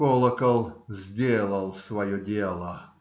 Колокол сделал свое дело